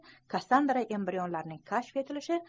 kassandra embrionlarning kashf etilishi